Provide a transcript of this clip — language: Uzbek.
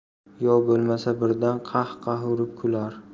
yo bo'lmasa birdan qah qah urib kular